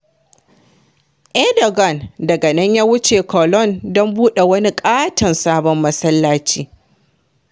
Erdogan daga nan ya wuce Cologne don buɗe wani ƙaton sabon masallaci.